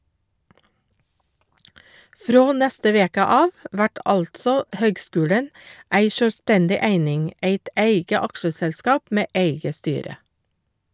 Frå neste veke av vert altså høgskulen ei sjølvstendig eining , eit eige aksjeselskap med eige styre.